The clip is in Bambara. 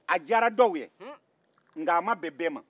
a jara dɔw ye nka a ma bɛn bɛɛ ma